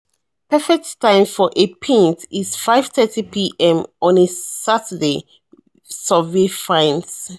Perfect time for a pint is 5.30pm on a Saturday, survey finds